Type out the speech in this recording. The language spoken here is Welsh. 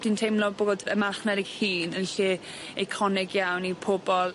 Dwi'n teimlo bod y marchnad 'i hŷn yn lle eiconeg iawn i pobol.